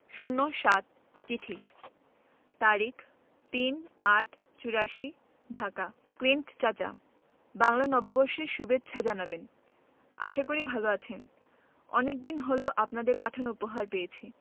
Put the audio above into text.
০৭ চিঠি ৩৮৮৪ ঢাকা ক্লিন্ট চাচা বাংলা নববর্ষের সুভেচ্ছা জানাবেন আশা করি ভালো আছেন অনেকদিন হল আপনাদের পাঠানো উপহার পেয়েছি